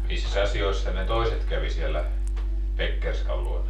missäs asioissa ne toiset kävi siellä Pekkerskan luona